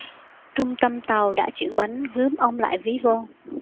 trung tâm tàu đã chuyển bánh gớm ông lại ví von